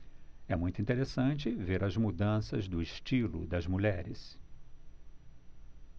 é muito interessante ver as mudanças do estilo das mulheres